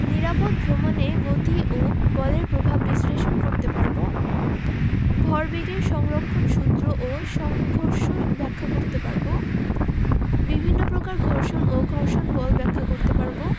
নিরাপদ ভ্রমণে গতি এবং বলের প্রভাব বিশ্লেষণ করতে পারব ভরবেগের সংরক্ষণ সূত্র ও সংঘর্ষ ব্যাখ্যা করতে পারব বিভিন্ন প্রকার ঘর্ষণ এবং ঘর্ষণ বল ব্যাখ্যা করতে পারব